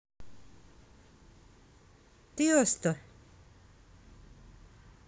tiësto